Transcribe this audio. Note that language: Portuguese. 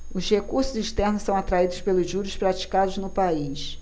os recursos externos são atraídos pelos juros praticados no país